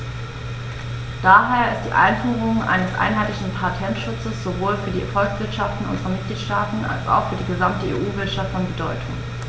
Daher ist die Einführung eines einheitlichen Patentschutzes sowohl für die Volkswirtschaften unserer Mitgliedstaaten als auch für die gesamte EU-Wirtschaft von Bedeutung.